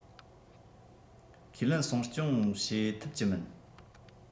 ཁས ལེན སྲུང སྐྱོབ བྱེད ཐུབ ཀྱི མིན